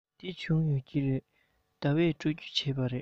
དེ བྱུང ཡོད ཀྱི རེད ཟླ བས སྤྲོད རྒྱུ བྱས པ རེད